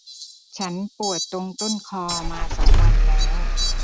ฉันปวดตรงต้นคอมาสองวันแล้ว